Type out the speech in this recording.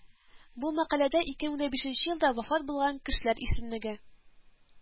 Бу мәкаләдә ике мең дә бишенче елда вафат булган кешләр исемлеге